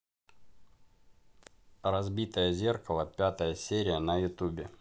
разбитое зеркало пятая серия на ютубе